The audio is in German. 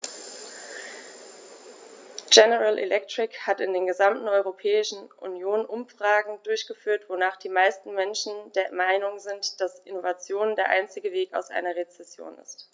General Electric hat in der gesamten Europäischen Union Umfragen durchgeführt, wonach die meisten Menschen der Meinung sind, dass Innovation der einzige Weg aus einer Rezession ist.